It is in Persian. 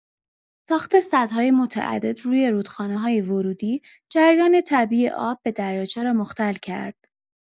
ساخت سدهای متعدد روی رودخانه‌های ورودی، جریان طبیعی آب به دریاچه را مختل کرد.